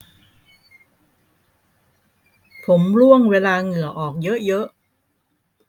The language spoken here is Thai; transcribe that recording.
ผมร่วงเวลาเหงื่อออกเยอะเยอะ